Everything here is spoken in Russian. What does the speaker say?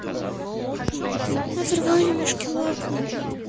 оторвали мишке лапку